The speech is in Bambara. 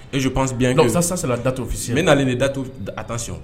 Eoppi sa sasi dattosi n' ni dato a ta sɔn